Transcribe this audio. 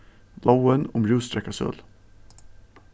lógin um rúsdrekkasølu